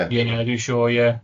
Ie, ie, dwi'n siŵr, ie.